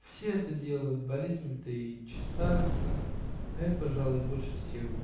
- все это делают; болезнями-то и тщеславятся, а я, пожалуй, и больше всех.